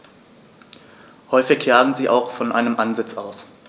Häufig jagen sie auch von einem Ansitz aus.